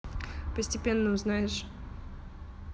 постепенно узнаешь